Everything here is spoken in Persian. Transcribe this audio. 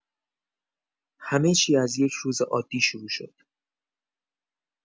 همه‌چی از یک روز عادی شروع شد.